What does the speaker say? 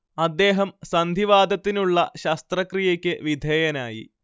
അദ്ദേഹം സന്ധിവാതത്തിനുള്ള ശസ്ത്രക്രിയക്ക് വിധേയനായി